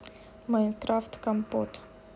майнкрафт компот